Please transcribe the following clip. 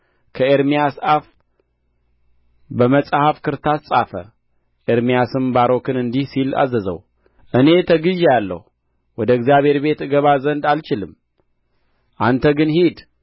ከኤርምያስ አፍ በመጽሐፉ ክርታስ ጻፈ ኤርምያስም ባሮክን እንዲህ ሲል አዘዘው እኔ ተግዤአለሁ ወደ እግዚአብሔር ቤት እገባ ዘንድ አልችልም አንተ ግን ሂድ